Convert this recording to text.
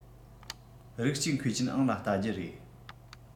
རིགས གཅིག མཁས ཅན ཨང ལ བལྟ རྒྱུ རེད